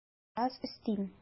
Бераз өстим.